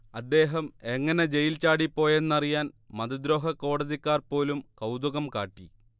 അദ്ദേഹം എങ്ങനെ ജെയിൽ ചാടിപ്പോയെന്നറിയാൻ മതദ്രോഹക്കോടതിക്കാർ പോലും കൗതുകം കാട്ടി